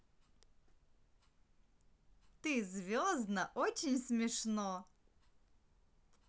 ты звездно очень смешно